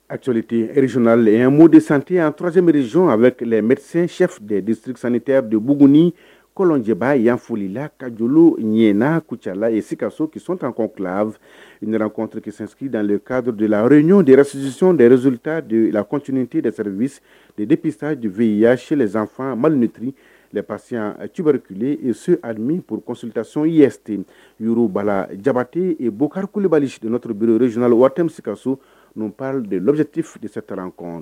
Aclite rerizre mo decte trsiemerisonon amesɛ desi7nite don bugununi kɔcɛ' yan foli la kaj ɲɛna ku cala yensi ka so kis 1ɔn kɔntekisisigidale kadɔ de la rejo desion de zoeta de la cotte derisi de depsa jue yassezfa mali nitiri la pasiya tubariurle so a min purksitacyte yba la jabaki ye bokarikululibalisiotourbereur zyona la waati se ka so ninnup de teti deseta9